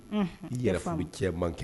I yɛrɛugu cɛ man kɛ